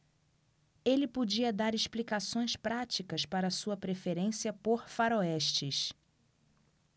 ele podia dar explicações práticas para sua preferência por faroestes